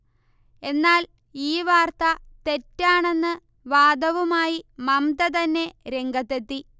എന്നാൽ ഈ വാർത്ത തെറ്റാണെന്ന് വാദവുമായി മംമ്ത തന്നെ രംഗത്തെത്തി